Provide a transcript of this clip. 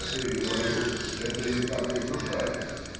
— Ты,— говорю,— это им так и внушаешь?